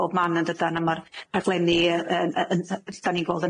bob man yndydan a ma'r rhaglenni yy yn yy yn yy 'dan ni'n gweld